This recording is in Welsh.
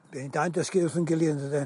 Dy ni'n dau i'n dysgu wrth ein gilydd yndyden.